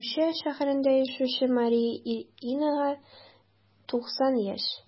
Арча шәһәрендә яшәүче Мария Ильинага 90 яшь.